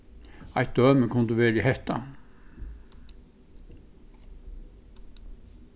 eitt dømi kundi verið hetta